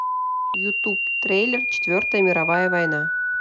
ютуб трейлер четвертая мировая война